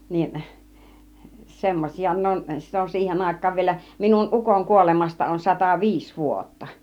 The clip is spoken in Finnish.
niin semmoisia ne on sitä on siihen aikaan vielä minun ukon kuolemasta on sata viisi vuotta